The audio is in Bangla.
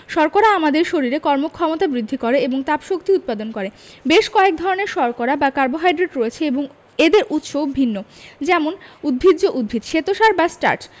শর্করা আমাদের শরীরে কর্মক্ষমতা বৃদ্ধি করে এবং তাপশক্তি উৎপাদন করে বেশ কয়েক ধরনের শর্করা বা কার্বোহাইড্রেট রয়েছে এবং এদের উৎসও ভিন্ন যেমন উদ্ভিজ্জ উৎস শ্বেতসার বা স্টার্চ